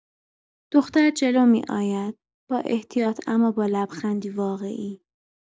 دختر جلو می‌آید، با احتیاط اما با لبخندی واقعی.